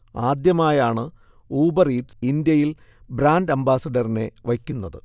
ആദ്യമായാണ് Uber Eats ഇന്ത്യയിൽ brand അംബാസഡറിനെ വയ്ക്കുന്നത്